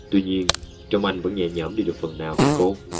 tuy nhiên trong anh vẫn nhẹ nhõm đi được phần nào về cô